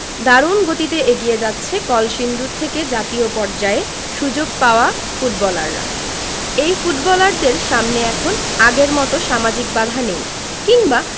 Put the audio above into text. দারুণ গতিতে এগিয়ে যাচ্ছে কলসিন্দুর থেকে জাতীয় পর্যায়ে সুযোগ পাওয়া ফুটবলাররা এই ফুটবলারদের সামনে এখন আগের মতো সামাজিক বাধা নেই কিংবা